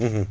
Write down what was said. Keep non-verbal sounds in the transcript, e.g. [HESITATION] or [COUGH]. [HESITATION] [HESITATION]